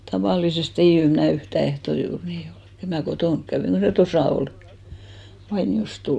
tavallisesti ei - ei minulla enää yhtään ehtoisin uni ollut että en minä kotona käynyt kun se tuossa oli kun vainiosta tullaan